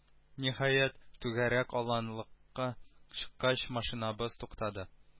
Ниһаять түгәрәк аланлыкка чыккач машинабыз туктады